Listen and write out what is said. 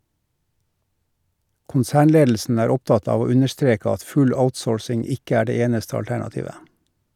Konsernledelsen er opptatt av å understreke at full outsourcing ikke er det eneste alternativet.